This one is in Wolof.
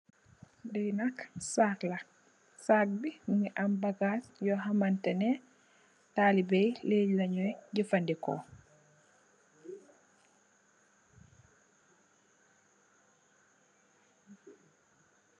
Li nak saac la. Saac bi mungi am bagas yu xamanteneh, talibe mom lanye de jefa ndikoo.